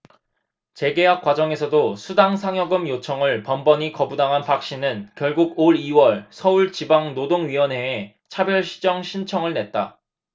재계약 과정에서도 수당 상여금 요청을 번번이 거부당한 박씨는 결국 올 이 월 서울지방노동위원회에 차별시정 신청을 냈다